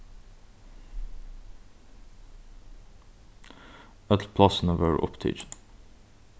øll plássini vóru upptikin